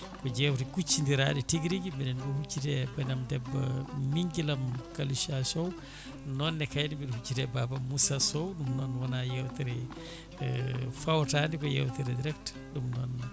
ko jewte kuccidirɗe tigui rigui mbiɗen ɗo huccite e banam debbo ɓinguelam Kalisa Sow nonne kayne mbiɗo hucciti e baabam Moussa Sow ɗum noon wona yewtere fawtade ko yewtere direct ɗum noon